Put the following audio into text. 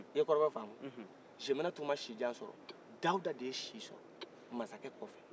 i ye kɔrɔfɔ famu jeminatu ma si sɔrɔ dawuda de ye si sɔrɔ masakɛ kɔfɛ